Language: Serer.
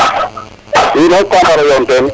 wiin we fop ga mbaro yoon ten